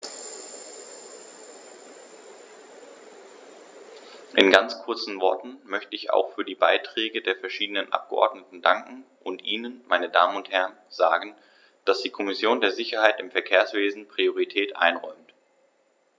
In ganz kurzen Worten möchte ich auch für die Beiträge der verschiedenen Abgeordneten danken und Ihnen, meine Damen und Herren, sagen, dass die Kommission der Sicherheit im Verkehrswesen Priorität einräumt.